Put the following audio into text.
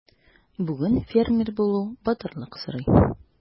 Бүген фермер булу батырлык сорый.